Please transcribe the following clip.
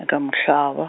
eka Mhlava.